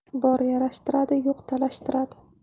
bor yarashtiradi yo'q talashtiradi